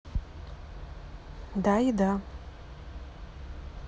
да еда